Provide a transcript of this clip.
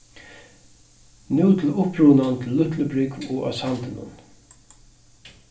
nú til upprunan til lítlubrúgv og á sandinum